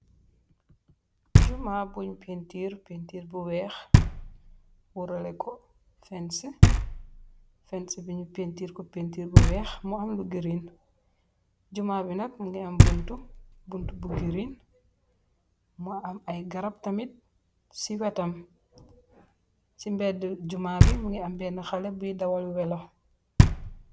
jumaa buñ pintiiru pintiir bu weex warale ko fens bi nu pintiir ko pintiir bu weex mu am lu girin jumaa bi nak mungi am ntbunt bu giriin mu am ay garab tamit ci wetam ci mbedd jumaa bi mu ngi am benn xale buy dawal welo.